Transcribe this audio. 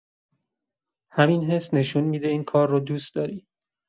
همین حس نشون می‌ده این کار رو دوست‌داری.